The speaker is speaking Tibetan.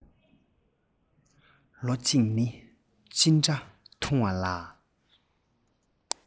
ལོ གཅིག ནི ཅི འདྲ ཐུང བ ལ